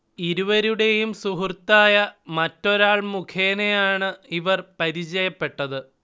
ഇരുവരുടെയും സുഹൃത്തായ മറ്റൊരാൾ മുഖേനയാണ് ഇവർ പരിചയപ്പെട്ടത്